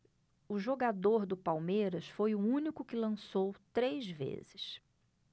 o jogador do palmeiras foi o único que lançou três vezes